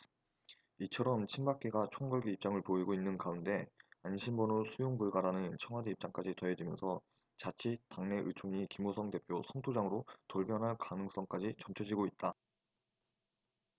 이처럼 친박계가 총궐기 입장을 보이고 있는 가운데 안심번호 수용불가라는 청와대 입장까지 더해지면서 자칫 당내 의총이 김무성 대표 성토장으로 돌변할 가능성까지 점쳐지고 있다